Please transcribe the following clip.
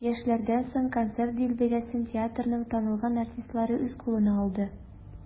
Яшьләрдән соң концерт дилбегәсен театрның танылган артистлары үз кулына алды.